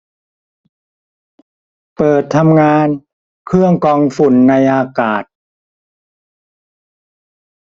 เปิดทำงานเครื่องกรองฝุ่นในอากาศ